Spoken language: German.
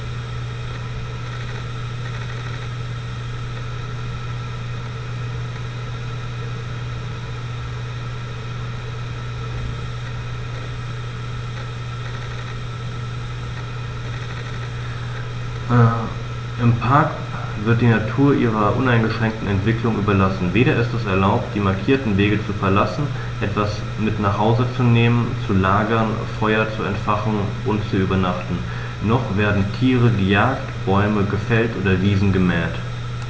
Im Park wird die Natur ihrer uneingeschränkten Entwicklung überlassen; weder ist es erlaubt, die markierten Wege zu verlassen, etwas mit nach Hause zu nehmen, zu lagern, Feuer zu entfachen und zu übernachten, noch werden Tiere gejagt, Bäume gefällt oder Wiesen gemäht.